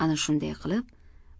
ana shunday qilib